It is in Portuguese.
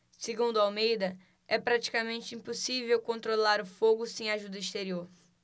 segundo almeida é praticamente impossível controlar o fogo sem ajuda exterior